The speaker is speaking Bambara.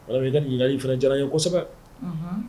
Ne ɲininka i fana jara ye kosɛbɛ